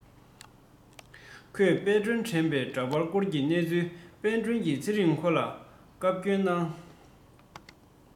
ཁོས དཔལ སྒྲོན དྲན པའི འདྲ པར བསྐོར གྱི གནས ཚུལ དཔལ སྒྲོན གྱི ཚེ རིང ཁོ ལ བཀའ བསྐྱོན བཏང